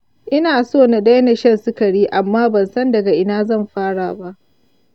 ina so na daina shan sigari amma ban san daga ina zan fara ba.